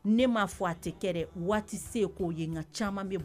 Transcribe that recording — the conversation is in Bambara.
Ne m ma fɔ a tɛ kɛ dɛ waati se k'o ye ɲɛ caman bɛ